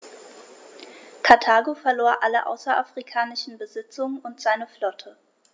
Karthago verlor alle außerafrikanischen Besitzungen und seine Flotte.